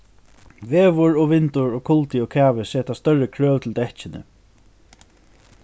veður og vindur og kuldi og kavi seta størri krøv til dekkini